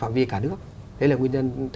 phạm vi cả nước đây là quy định